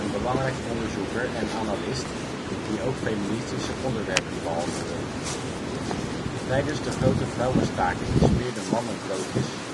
belangrijk onderzoeker en analist die ook feministische onderwerpen behandelde. Tijdens de grote vrouwenstaking smeerden mannen broodjes